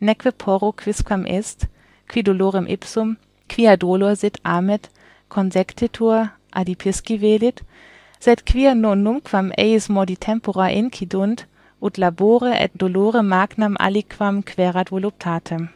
neque porro quisquam est, qui dolorem ipsum, quia dolor sit, amet, consectetur, adipisci velit, sed quia non numquam eius modi tempora incidunt, ut labore et dolore magnam aliquam quaerat voluptatem